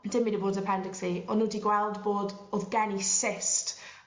Dim mynd yn bod 'dy apendics fi o' n'w 'di gweld bod o'dd gen i cyst